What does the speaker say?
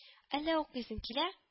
— әллә укыйсың килә